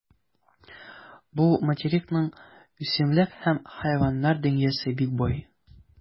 Бу материкның үсемлек һәм хайваннар дөньясы бик бай.